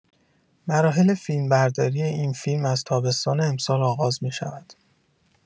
مراحل فیلمبرداری این فیلم از تابستان امسال آغاز می‌شود.